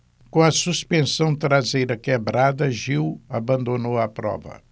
com a suspensão traseira quebrada gil abandonou a prova